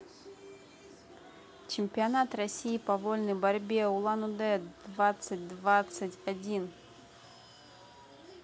чемпионат россии по вольной борьбе улан удэ двадцать двадцать один